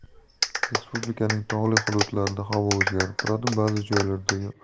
respublikaning tog'li hududlarida havo o'zgarib turadi